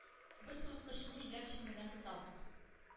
Бер суыткычны җиләк өчен генә тотабыз.